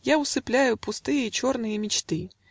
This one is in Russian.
Я усыпляю Пустые, черные мечты